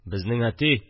– безнең әти